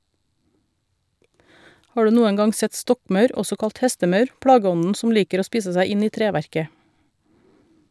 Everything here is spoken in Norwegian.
Har du noen gang sett stokkmaur, også kalt hestemaur, plageånden som liker å spise seg inn i treverket?